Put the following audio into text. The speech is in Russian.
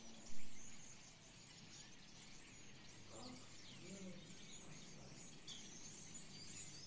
как делают асфальт